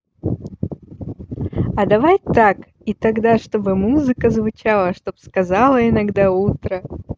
а давай так и тогда чтобы музыка звучала чтоб сказала иногда утро